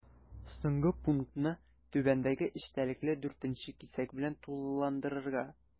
Соңгы пунктны түбәндәге эчтәлекле 4 нче кисәк белән тулыландырырга.